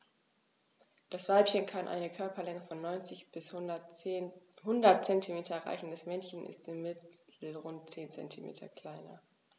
Das Weibchen kann eine Körperlänge von 90-100 cm erreichen; das Männchen ist im Mittel rund 10 cm kleiner.